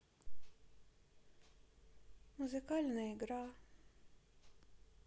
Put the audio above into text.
музыкальная игра